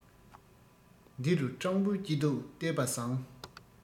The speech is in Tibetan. འདི རུ སྤྲང པོའི སྐྱིད སྡུག བལྟས པ བཟང